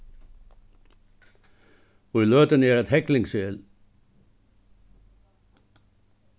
í løtuni er eitt heglingsæl